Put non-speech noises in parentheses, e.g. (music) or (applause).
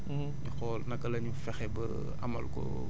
buñ ci xaar kenn bu dee (hesitation) suñuy semence :ra la